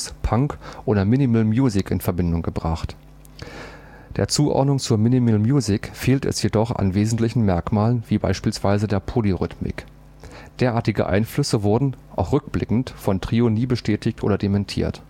Punk oder Minimal Music in Verbindung gebracht. Der Zuordnung zur Minimal Music fehlt es jedoch an wesentlichen Merkmalen, wie beispielsweise der Polyrhythmik. Derartige Einflüsse wurden – auch rückblickend – von Trio nie bestätigt oder dementiert